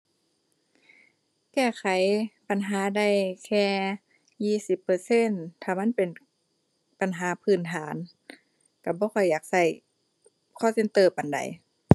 แก้ไขปัญหาได้แค่ยี่สิบเปอร์เซ็นต์ ถ้ามันเป็นปัญหาพื้นฐาน ก็บ่ค่อยอยากก็ call center ปานใด